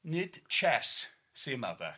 nid chess, sy ma de.